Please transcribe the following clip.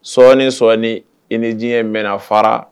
Sɔɔni , sɔɔni i ni diɲɛ in bɛna fara.